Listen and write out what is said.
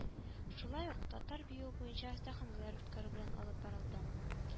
Шулай ук татар биюе буенча остаханәләр үткәрү белән алып барылды